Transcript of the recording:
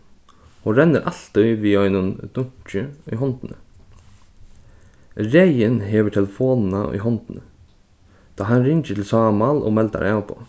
hon rennur altíð við einum dunki í hondini regin hevur telefonina í hondini tá hann ringir til sámal og meldar avboð